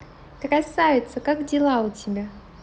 красавица как дела у тебя